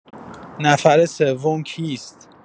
نفر سوم کیست؟